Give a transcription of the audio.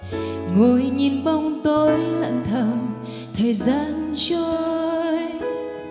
ngồi nhìn bóng tối lặng thầm thời gian trôi